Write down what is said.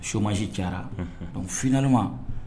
Somasi kɛra dɔnku flima